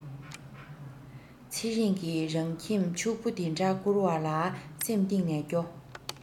ཚེ རིང གི རང ཁྱིམ ཕྱུག པོ འདི འདྲ བསྐུར བ ལ སེམས གཏིང ནས སྐྱོ